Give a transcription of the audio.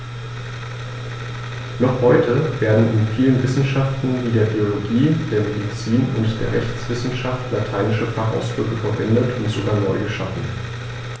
Noch heute werden in vielen Wissenschaften wie der Biologie, der Medizin und der Rechtswissenschaft lateinische Fachausdrücke verwendet und sogar neu geschaffen.